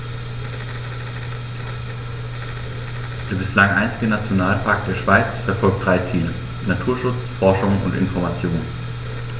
Der bislang einzige Nationalpark der Schweiz verfolgt drei Ziele: Naturschutz, Forschung und Information.